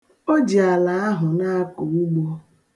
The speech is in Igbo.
O ji ala ahụ na-akọ ugbo.